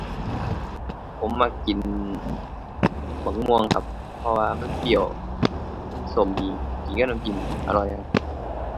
ผมมักกินบักม่วงครับ เพราะว่ามันเปรี้ยว มันส้มดี กินกับน้ำจิ้มอร่อยครับ